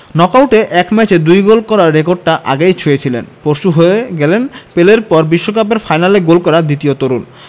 নকআউটে এক ম্যাচে ২ গোল করার রেকর্ডটা আগেই ছুঁয়েছিলেন পরশু হয়ে গেলেন পেলের পর বিশ্বকাপের ফাইনালে গোল করা দ্বিতীয় তরুণ